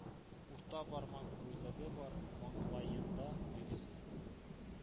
Урта бармак буйлыгы бар маңлаенда мөгезе.